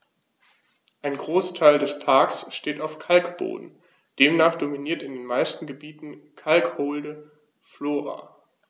Ein Großteil des Parks steht auf Kalkboden, demnach dominiert in den meisten Gebieten kalkholde Flora.